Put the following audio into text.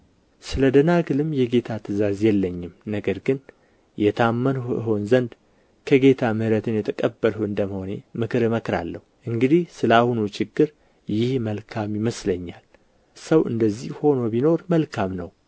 ስለ ደናግልም የጌታ ትእዛዝ የለኝም ነገር ግን የታመንሁ እሆን ዘንድ ከጌታ ምሕረትን የተቀበልሁ እንደ መሆኔ ምክር እመክራለሁ እንግዲህ ስለ አሁኑ ችግር ይህ መልካም ይመስለኛል ሰው እንዲህ ሆኖ ቢኖር መልካም ነው